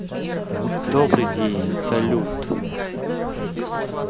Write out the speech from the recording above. добрый день салют